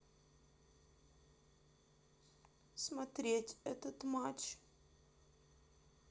смотреть этот матч